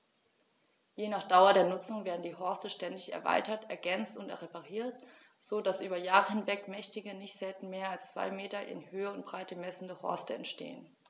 Je nach Dauer der Nutzung werden die Horste ständig erweitert, ergänzt und repariert, so dass über Jahre hinweg mächtige, nicht selten mehr als zwei Meter in Höhe und Breite messende Horste entstehen.